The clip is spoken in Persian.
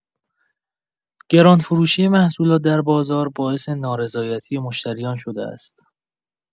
گران‌فروشی محصولات در بازار، باعث نارضایتی مشتریان شده است.